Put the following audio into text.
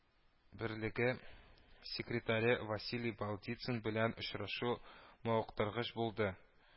Берлеге секретаре василий балдицын белән очрашу мавыктыргыч булды